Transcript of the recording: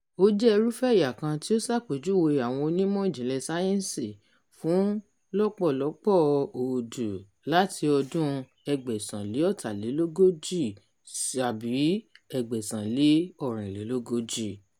Ó jẹ́ irúfẹ́ ẹ̀yà kan tí ó ṣàpèjúwe àwọn onímọ̀ ìjìnlẹ̀ sáyẹ́ǹsì fún lọ̀pọ̀lọpọ̀ ọdú, láti ọdún 1843 tàbí 1844.